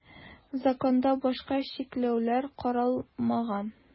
Законда башка чикләүләр каралмаган.